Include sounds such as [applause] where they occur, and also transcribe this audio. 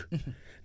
[hesitation] [hesitation]